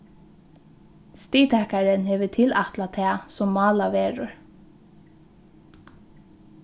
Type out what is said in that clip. stigtakarin hevur tilætlað tað sum málað verður